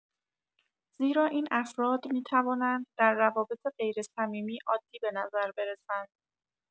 زیرا این افراد می‌توانند در روابط غیرصمیمی عادی به نظر برسند.